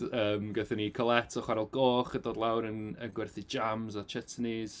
Yym gaethon ni Colette o Chwarel Goch yn dod lawr yn yn gwerthu jams a chutneys.